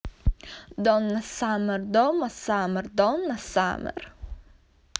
donna summer donna summer donna summer